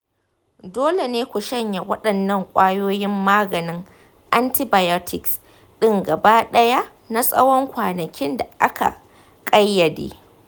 dole ne ku shanye waɗannan kwayoyin maganin antibiotics ɗin gaba ɗaya na tsawon kwanakin da aka ƙayyade.